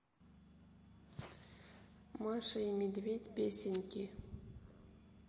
маша и медведь песенки